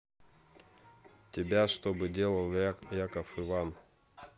тебя что делал яблоков иван